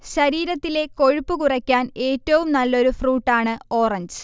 ശരീരത്തിലെ കൊഴുപ്പ് കുറയ്ക്കാൻഏറ്റവും നല്ലൊരു ഫ്രൂട്ടാണ് ഓറഞ്ച്